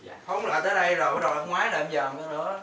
phóng lại tới đây rồi bắt đầu em ngoái lại em dòm nó nữa